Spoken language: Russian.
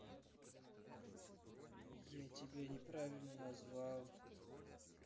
я тебя неправильно назвал